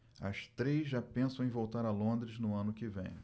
as três já pensam em voltar a londres no ano que vem